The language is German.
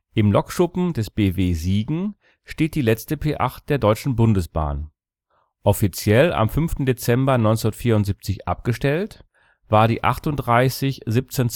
Im Lokschuppen des Bw Siegen steht die letzte P8 der Deutschen Bundesbahn. Offiziell am 5. Dezember 1974 abgestellt, war 38 1772